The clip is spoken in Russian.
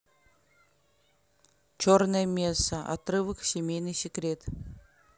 черная месса отрывок семейный секрет